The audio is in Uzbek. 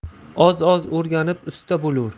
oz oz o'rganib usta bo'lur